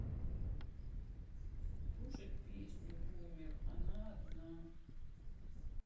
слушать песню бумер она одна